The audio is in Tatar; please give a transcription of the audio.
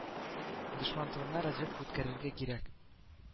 Дошман тылына разведка үткәрергә кирәк